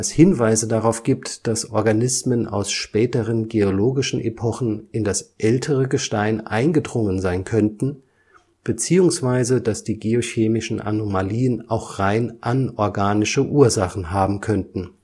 Hinweise darauf gibt, dass Organismen aus späteren geologischen Epochen in das ältere Gestein eingedrungen sein könnten, beziehungsweise dass die geochemischen Anomalien auch rein anorganische Ursachen haben könnten